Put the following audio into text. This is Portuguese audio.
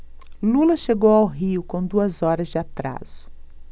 lula chegou ao rio com duas horas de atraso